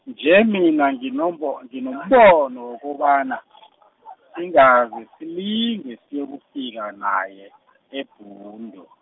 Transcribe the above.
nje mina nginombo-, nginombono wokobana, singaze silinge, siyokufika naye, eBhundu.